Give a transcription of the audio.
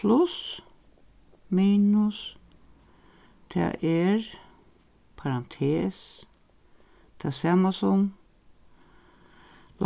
pluss minus tað er parantes tað sama sum